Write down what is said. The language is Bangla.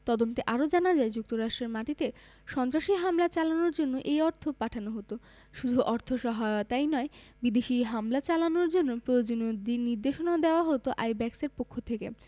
তদন্তে আরও জানা যায় যুক্তরাষ্ট্রের মাটিতে সন্ত্রাসী হামলা চালানোর জন্য এই অর্থ পাঠানো হতো শুধু অর্থসহায়তাই নয় বিদেশী হামলা চালানোর জন্য প্রয়োজনীয় নির্দেশনাও দেওয়া হতো আইব্যাকসের পক্ষ থেকে